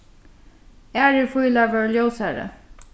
aðrir fílar vóru ljósari